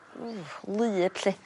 ww wlyb 'lly.